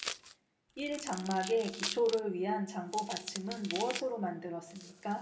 일 장막의 기초를 위한 장부 받침은 무엇으로 만들었습니까